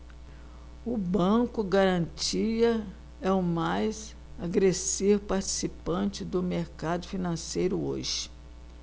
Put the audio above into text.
o banco garantia é o mais agressivo participante do mercado financeiro hoje